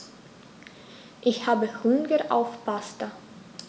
Ich habe Hunger auf Pasta.